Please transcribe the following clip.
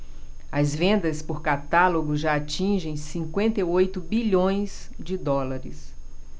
as vendas por catálogo já atingem cinquenta e oito bilhões de dólares